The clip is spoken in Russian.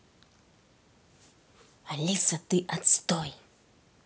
алиса ты отстой